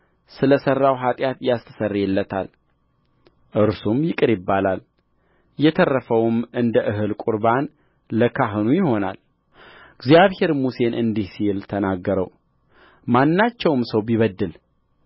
ስለ ሠራው ኃጢአት ያስተሰርይለታል እርሱም ይቅር ይባላል የተረፈውም እንደ እህል ቍርባን ለካህኑ ይሆናልእግዚአብሔርም ሙሴን እንዲህ ሲል ተናገረውማናቸውም ሰው ቢበድል